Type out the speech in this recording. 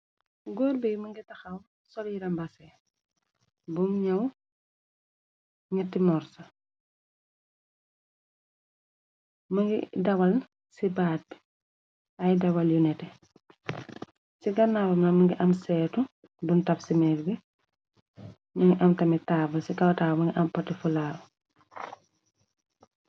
Góor be më ngi taxaw, sol yere mbasee bum ñëw netti morsa. Më ngi dawal ci baat bi ay dawal yu nete, ci gannaawam mungi am seetu buñ taf ci mer bi. Ñu ngi am tamit taabul ci kaw taabul bi mingi am poti fulaawa.